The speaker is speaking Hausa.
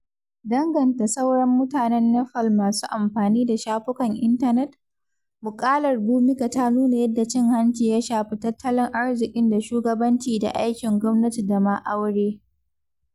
Danganta sauran mutanen Nepal masu amfani da shafukan intanet, muƙalar Bhumika ta nuna yadda cin-hanci ya shafi tattalin arziki da shugabanci da aikin gwamnati da ma aure.